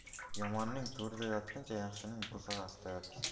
yomonning to'rida yotguncha yaxshining bo'sag'asida yot